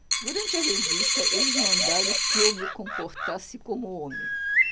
durante a revista eles mandaram que eu me comportasse como homem